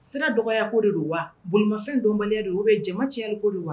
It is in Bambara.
Sira dɔgɔya ko de don wa bolomanfɛn donbaliya de o bɛ jama cɛ ko don wa